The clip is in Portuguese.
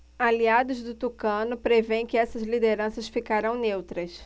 aliados do tucano prevêem que essas lideranças ficarão neutras